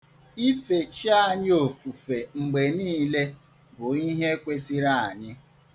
Ife Chi anyị ofufe mgbe niile bụ ihe kwesịrị anyị.